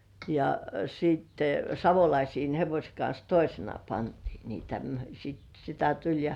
ja sitten Savolaisten hevosen kanssa toisena pantiin niitä - sitten sitä tuli ja